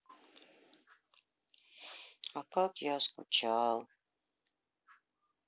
а как я скучал